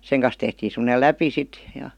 sen kanssa tehtiin semmoinen läpi sitten ja